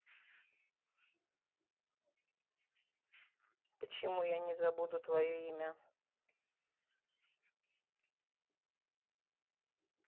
почему я не забуду твое имя